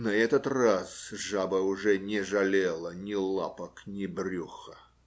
На этот раз жаба уже не жалела ни лапок, ни брюха